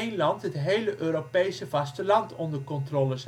land het hele Europese vasteland onder controle